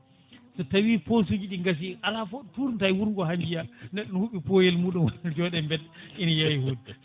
so tawi posuji ɗi gaasi ala foof ɗo tournata e wurogo ha jiiya neɗɗo ne huɓɓi pooyel muɗum jooɗe bedda ina yeeye hunde